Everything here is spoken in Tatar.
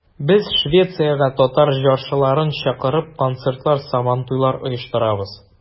Без, Швециягә татар җырчыларын чакырып, концертлар, Сабантуйлар оештырабыз.